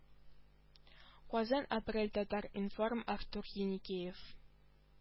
Казан апрель татар-информ артур еникеев